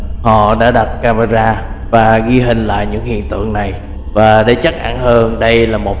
họ đã đặt camera và ghi hình lại những hiện tượng này và để chắc ăn hơn đây là